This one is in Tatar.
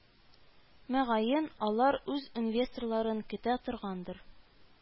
Мөгаен алар үз инвесторларын көтә торгандыр